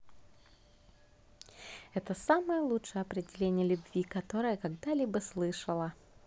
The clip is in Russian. это самое лучшее определение любви которое когда либо слышала